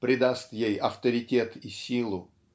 придаст ей авторитет и силу.